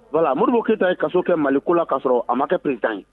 Wa moriɔriuru keyita ye kaso kɛ mali ko la ka sɔrɔ a ma kɛ peretan ɲi